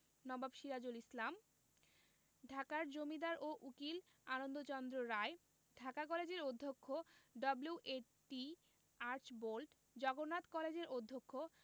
নবাব সিরাজুল ইসলাম ঢাকার জমিদার ও উকিল আনন্দচন্দ্র রায় ঢাকা কলেজের অধ্যক্ষ ডব্লিউ.এ.টি আর্চবোল্ড জগন্নাথ কলেজের অধ্যক্ষ